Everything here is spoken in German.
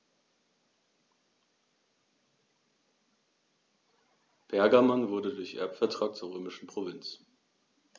Pergamon wurde durch Erbvertrag zur römischen Provinz.